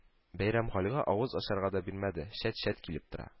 Бәйрәмгалигә авыз ачарга да бирмәде, чәт-чәт килеп тора